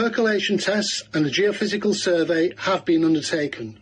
Percolation tests and a geophysical survey have been undertaken.